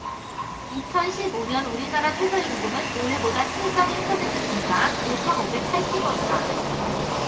이천 십 오 년 우리나라 최저임금은 올해보다 칠 쩜 일 퍼센트 증가한 오천 오백 팔십 원이다